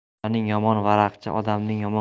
mullaning yomoni varaqchi odamning yomoni qaroqchi